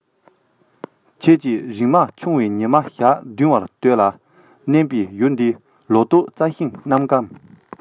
ཁྱེད ཀྱི རིན མ འཁྱོངས བས ཉི མ ཞག བདུན བར སྟོད ལ མནན པས ཡུལ འདིའི ལོ ཏོག རྩི ཤིང རྣམས བསྐམས